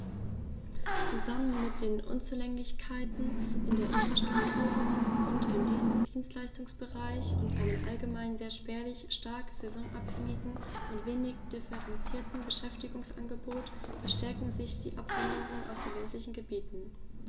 Zusammen mit den Unzulänglichkeiten in der Infrastruktur und im Dienstleistungsbereich und einem allgemein sehr spärlichen, stark saisonabhängigen und wenig diversifizierten Beschäftigungsangebot verstärken sie die Abwanderung aus den ländlichen Gebieten.